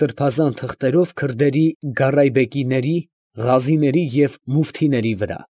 Սրբազան թղթերով քրդերի գարայբեկիների, ղազիների և մուֆթիների վրա։